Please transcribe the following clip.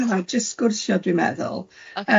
Wel jyst sharad, jys sgwrsio dwi'n meddwl.